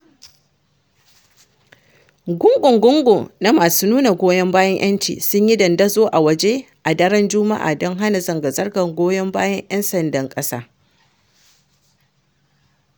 Gungu-gungu na masu nuna goyon bayan ‘yanci sun yi dandazo a waje a daren juma'a don hana zanga-zangar goyon bayan ‘yan sandan ƙasa.